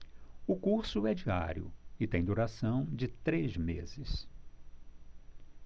o curso é diário e tem duração de três meses